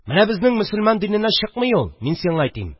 – менә безнең мосылман диненә чыкмый ул, мин сиңайтим